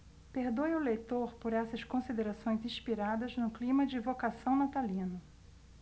perdoe o leitor por essas considerações inspiradas no clima de evocação natalino